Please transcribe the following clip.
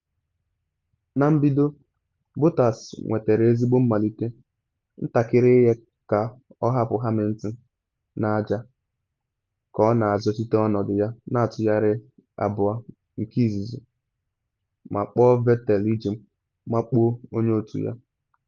Na mbido, Bottas nwetara ezigbo mmalite, ntakịrị ihe ka ọ hapụ Hamilton na aja ka ọ na azọchite ọnọdụ ya na ntụgharị abụọ nke izizi ma kpọọ Vettel iji makpuo onye otu ya.